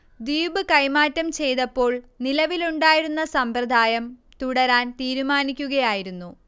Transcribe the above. ദ്വീപ് കൈമാറ്റം ചെയ്തപ്പോൾ നിലവിലുണ്ടായിരുന്ന സമ്പ്രദായം തുടരാൻ തീരുമാനിക്കുകയായിരുന്നു